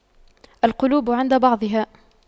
القلوب عند بعضها